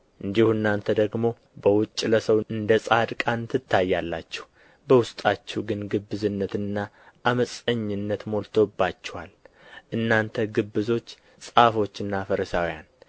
እንዲሁ እናንተ ደግሞ በውጭ ለሰው እንደ ጻድቃን ትታያላችሁ በውስጣችሁ ግን ግብዝነትና ዓመፀኝነት ሞልቶባችኋል እናንተ ግብዞች ጻፎችና ፈሪሳውያን